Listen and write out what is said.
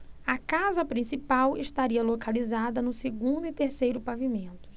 a casa principal estaria localizada no segundo e terceiro pavimentos